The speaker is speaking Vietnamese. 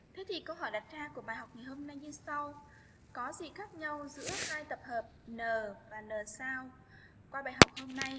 cái gì có phải là cha của bài học gì hôm nay như sau có gì khác nhau giữa hai tập hợp n và n sao qua bài học hôm nay